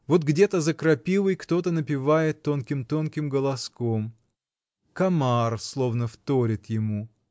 Вот где-то за крапивой кто-то напевает тонким-тонким голоском комар словно вторит ему.